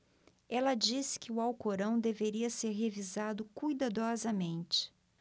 ela disse que o alcorão deveria ser revisado cuidadosamente